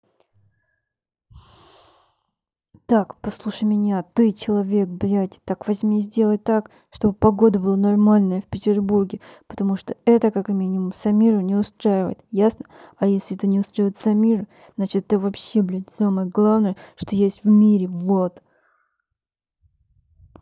так послушай меня ты человек блядь так возьми и сделай так чтобы погода была нормальная в петербурге потому что это как минимум самиру не устраивает ясно а если это не устраивает самиру значит это вообще блять самое главное что есть в мире вот